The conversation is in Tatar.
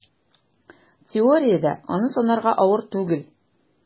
Теориядә аны санарга авыр түгел: